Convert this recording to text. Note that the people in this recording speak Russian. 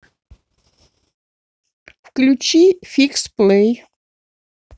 включи фикс плей